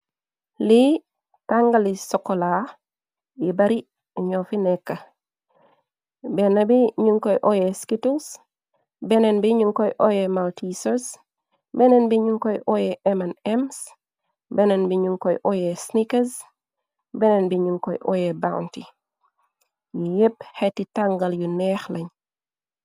Lii tangali sokola yu bari ñoo fi nekka, benna bi ñuñ koy oye skitus, beneen bi ñu koy oye maltesas, beneen bi ñu koy oye eman ems, beneen bi ñuñ koy oye sinikas, beneen bi ñuñ koy oye bawunti, yi yépp xeti tangal yu neex lañ.